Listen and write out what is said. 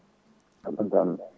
mbaɗɗon tampere